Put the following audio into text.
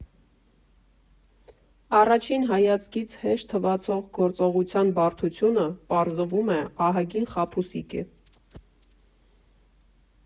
Առաջին հայացքից հեշտ թվացող գործողության բարդությունը, պարզվում է, ահագին խաբուսիկ է։